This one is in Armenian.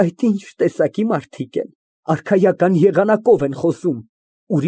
ՎԱՐԴԱՆ ֊ (Հետ է գալիս նախասենյակից և հատակի վրա որոնում է գդակը)։